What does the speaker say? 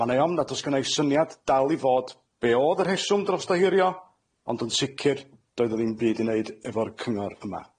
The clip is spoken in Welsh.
Ma' 'na i ofn nad o's gynna i syniad dal i fod be' odd y rheswm dros ohirio, ond yn sicir doedd o'n ddim byd i neud efo'r cyngor yma.